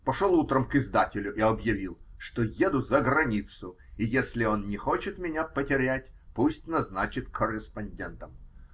Пошел утром к издателю и объявил, что еду за границу, и, если он не хочет меня потерять, пусть назначит корреспондентом.